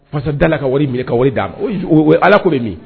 Pasa dala ka wari minɛ ka wari da ala ko bɛ min